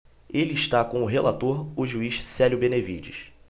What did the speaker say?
ele está com o relator o juiz célio benevides